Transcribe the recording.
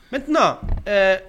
Maintenant ɛɛ